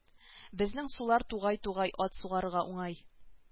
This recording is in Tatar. Безнең сулар тугай-тугай ат сугарырга уңай